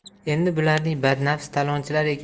endi bularning badnafs talonchilar